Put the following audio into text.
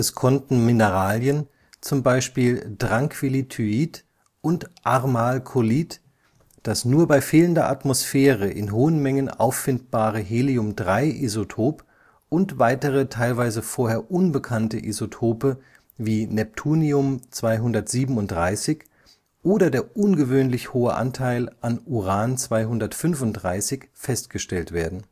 konnten Mineralien, zum Beispiel Tranquilityit und Armalcolit, das nur bei fehlender Atmosphäre in hohen Mengen auffindbare 3He-Isotop und weitere teilweise vorher unbekannte Isotope wie Neptunium 237Np oder der ungewöhnlich hohe Anteil an Uran 235U, festgestellt werden